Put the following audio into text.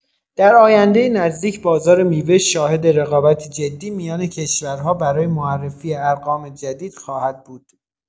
در آینده نزدیک بازار میوه شاهد رقابتی جدی میان کشورها برای معرفی ارقام جدید خواهد بود.